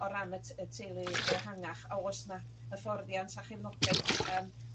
O ran y t- y teulu ehangach a o's 'na hyfforddiant a chefnogaeth yym